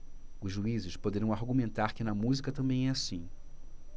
os juízes poderão argumentar que na música também é assim